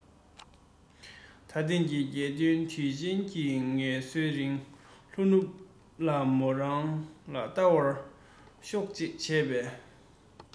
ད ཐེངས ཀྱི རྒྱལ སྟོན དུས ཆེན གྱི ངལ གསོའི རིང ལྷོ ནུབ ལ མོ རང ལ བལྟ བར ཤོག ཅེས བྱས པས